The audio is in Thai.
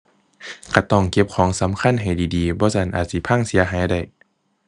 ก็ต้องเก็บของสำคัญให้ดีดี บ่ซั้นอาจสิพังเสียหายได้